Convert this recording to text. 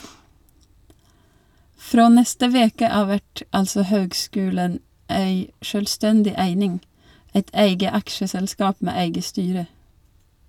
Frå neste veke av vert altså høgskulen ei sjølvstendig eining, eit eige aksjeselskap med eige styre.